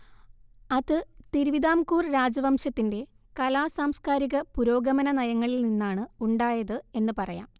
അത് തിരുവിതാംകൂർ രാജവംശത്തിന്റെ കലാ സാംസ്കാരിക പുരോഗമന നയങ്ങളിൽ നിന്നാണ് ഉണ്ടായത് എന്ന് പറയാം